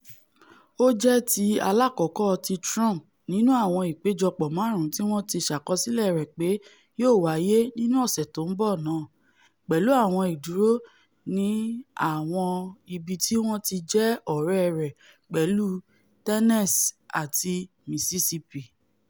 Ó jẹ́ ti aláàkọ́kọ́ ti Trump nínú àwọn ìpéjọpọ̀ máàrún tíwọ́n ti ṣàkọsílẹ̀ rẹ̀ pé yóò wáyé nínú ọ̀sẹ̀ tó ńbọ̀ náà, pẹ̀lú àwọn ìdúró ni àwọn ibití wọn ti jẹ́ ọ̀rẹ́ rẹ́ pẹ̀lú Tennessee àti Mississippi.